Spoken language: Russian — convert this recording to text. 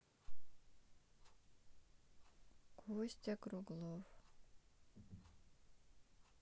костя круглов